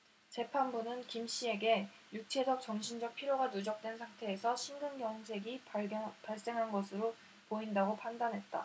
재판부는 김씨에게 육체적 정신적 피로가 누적된 상태에서 심근경색이 발생한 것으로 보인다고 판단했다